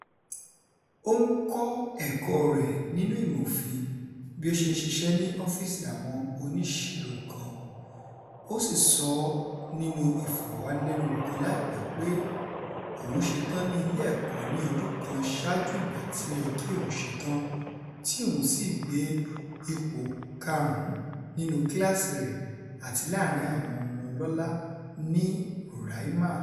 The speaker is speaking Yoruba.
Ó ń kọ́ ẹ̀kọ́ọ rẹ̀ nínú ìmọ̀ òfin bí ó ṣe ń ṣiṣẹ́ ní ọ́fíìsì àwọn oníṣirò kan, ó sì sọ ọ́ nínú ìfọ̀rọ̀wánilẹ́nuwò kan láìpẹ́, pé òun ṣetán ní ilé-ẹ̀kọ́ ní ọdún kan ṣáájú ìgbà tí ó yẹ kí òun ṣetán tí òun sì gbé ipò karùn-ún nínúu kíláàsìi rẹ̀ àti láàárín-in àwọn ọmọ ọlọ́lá ní Roraima.